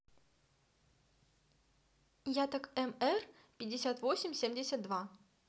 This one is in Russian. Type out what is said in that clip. я так mr пятьдесят восемь семьдесят два